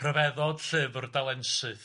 'Rhyfeddod llyfr dalensyth'